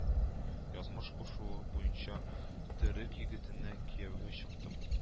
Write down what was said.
Язмыш кушуы буенча төрек егетенә кияүгә чыктым